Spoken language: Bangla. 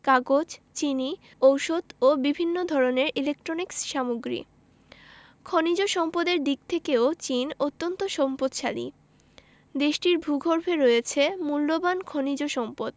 কাগজ চিনি ঔষধ ও বিভিন্ন ধরনের ইলেকট্রনিক্স সামগ্রী প্রভ্রিতি খনিজ সম্পদের দিক থেকেও চীন অত্যান্ত সম্পদশালী দেশটির ভূগর্ভে রয়েছে মুল্যবান খনিজ সম্পদ